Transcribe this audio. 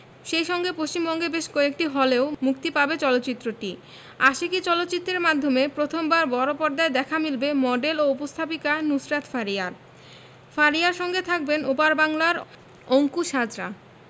সেই সঙ্গে পশ্চিমবঙ্গের বেশ কয়েকটি হলেও মুক্তি পাবে চলচ্চিত্রটি আশিকী চলচ্চিত্রের মাধ্যমে প্রথমবার বড়পর্দায় দেখা মিলবে মডেল ও উপস্থাপিকা নুসরাত ফারিয়ার ফারিয়ার সঙ্গে থাকবেন ওপার বাংলার অংকুশ হাজরা